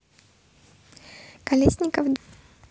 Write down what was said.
колесников дочь